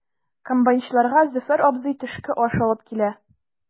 Комбайнчыларга Зөфәр абзый төшке аш алып килә.